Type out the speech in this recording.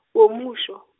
womuso.